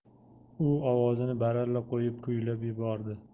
u ovozini baralla qo'yib kuylab yubordi